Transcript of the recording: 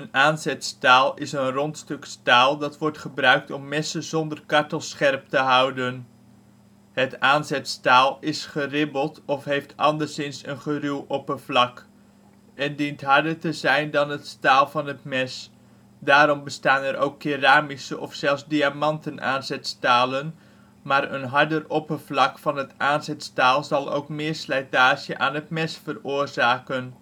aanzetstaal is een rond stuk staal, dat wordt gebruikt om messen zonder kartels scherp te houden. Het aanzetstaal is geribbeld of heeft anderszins een geruwd oppervlak, en dient harder te zijn dan het staal van het mes. Daarom bestaan er ook keramische of zelfs diamanten aanzetstalen, maar een harder oppervlak van het aanzetstaal zal ook meer slijtage aan het mes veroorzaken